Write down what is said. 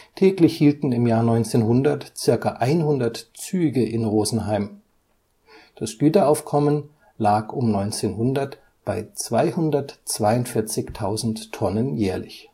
Täglich hielten im Jahr 1900 circa 100 Züge in Rosenheim; das Güteraufkommen lag um 1900 bei 242.000 Tonnen jährlich